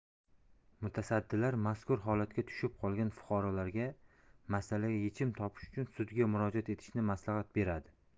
mutasaddilar mazkur holatga tushib qolgan fuqarolarga masalaga yechim topish uchun sudga murojaat etishni maslahat beradi